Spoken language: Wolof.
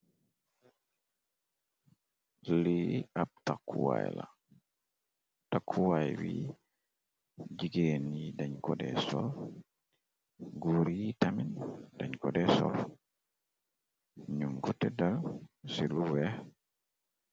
Lii ab takuway la takkuwaay wi jigeen yi dañ ko dee sol guur yi tamin dañ ko dee sol ñu ngote dal ci lu weex.